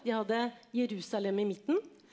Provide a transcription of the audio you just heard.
de hadde Jerusalem i midten.